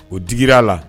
O digira a la